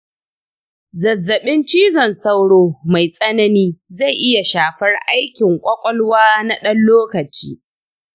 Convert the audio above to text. zazzaɓin cizon sauro mai tsanani zai iya shafar aikin ƙwaƙwalwa na ɗan lokaci.